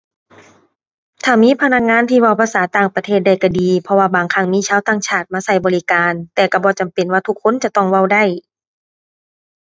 ถ้ามีพนักงานที่เว้าภาษาต่างประเทศได้ก็ดี เพราะว่าบางครั้งมีชาวต่างชาติมาก็บริการ แต่ก็บ่จำเป็นว่าทุกคนจะต้องเว้าได้